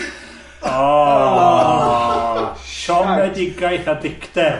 Oh, siomedigaeth a dicder.